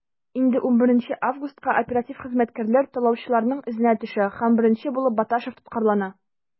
Инде 11 августка оператив хезмәткәрләр талаучыларның эзенә төшә һәм беренче булып Баташев тоткарлана.